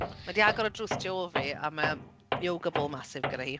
Mae hi 'di agor y drws tu ôl fi a mae yoga ball massive gyda hi.